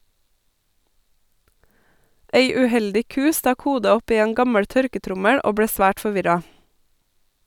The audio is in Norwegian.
Ei uheldig ku stakk hodet opp i en gammel tørketrommel og ble svært forvirra.